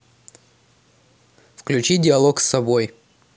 включи диалог с собой